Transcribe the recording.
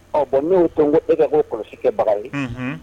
Ɔ bon ne ko ten, n ko bɛɛ ka kɛ kɔlɔsi kɛ baga ye. Unhun